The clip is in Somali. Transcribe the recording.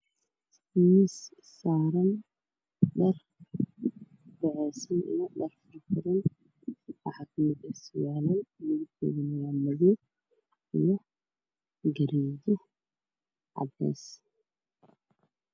Waa miis saaran dhar. Dhar bacaysan iyo dhar furfuran. Wax kalaa hoos yaalo oo madow ah, gareeji iyo cadeys.